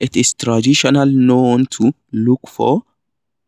It's traditional now to look for